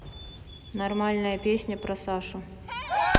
нормальная песня про сашу